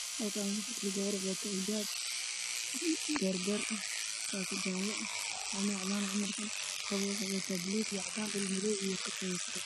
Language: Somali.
Halkaanjoogto gabar wadato xijaab beerbeer ah saako jaalo ah cilaan ayaa umarsan waxay wadataa kabo madow iyo jaalo